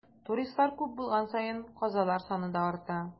Туристлар күп булган саен, казалар саны да арта.